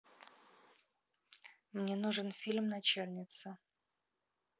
мне нужен фильм начальница